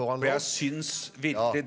får han lov ja.